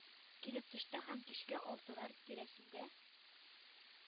Килеп төште һәм кичке алтылар тирәсендә